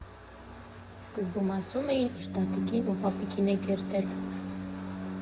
Սկզբում ասում էին՝ իր տատիկին ու պապիկին է կերտել։